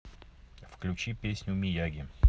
включи песню мияги